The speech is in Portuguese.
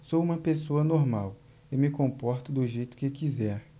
sou homossexual e me comporto do jeito que quiser